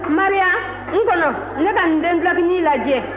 maria n kɔnɔ ne ka nin den dulokinin lajɛ